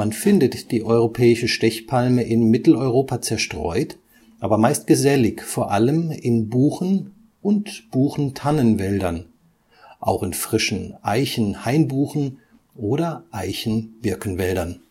findet die Europäische Stechpalme in Mitteleuropa zerstreut, aber meist gesellig vor allem in Buchen - und Buchen-Tannen-Wäldern, auch in frischen Eichen-Hainbuchen - oder Eichen-Birkenwäldern